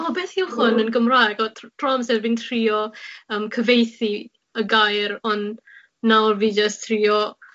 ...o beth yw hwn yn Gymraeg. O tr- trw amser fi'n trio yym cyfeithu y gair ond nawr fi jyst trio